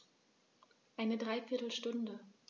Eine dreiviertel Stunde